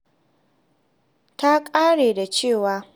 Ta ƙara da cewa: